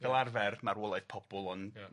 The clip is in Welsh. Fel arfer marwolaeth pobl ond